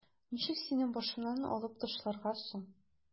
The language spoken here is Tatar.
Ничек сине башымнан алып ташларга соң?